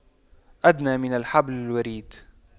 أدنى من حبل الوريد